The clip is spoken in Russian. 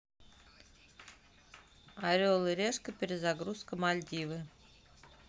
орел и решка перезагрузка мальдивы